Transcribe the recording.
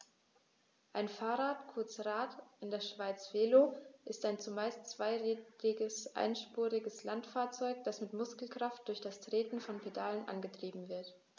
Ein Fahrrad, kurz Rad, in der Schweiz Velo, ist ein zumeist zweirädriges einspuriges Landfahrzeug, das mit Muskelkraft durch das Treten von Pedalen angetrieben wird.